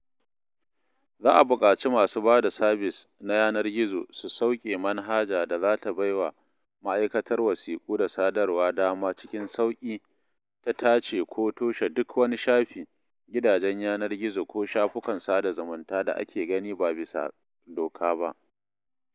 Za a buƙaci masu ba da sabis na yanar gizo su sauƙe manhaja da za ta bai wa Ma’aikatar Wasiƙu da Sadarwa dama “cikin sauƙi ta tace ko toshe duk wani shafi, gidajen yanar gizo ko shafukan sada zumunta da ake gani ba bisa doka ba.”